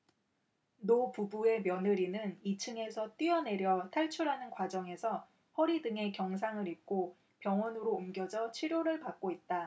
노부부의 며느리는 이 층에서 뛰어내려 탈출하는 과정에서 허리 등에 경상을 입고 병원으로 옮겨져 치료를 받고 있다